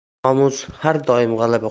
nomus har doim